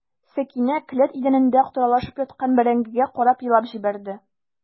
Сәкинә келәт идәнендә таралышып яткан бәрәңгегә карап елап җибәрде.